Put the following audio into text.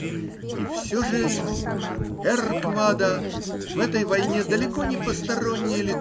И все же -- херр Квада в этой войне далеко не постороннее лицо.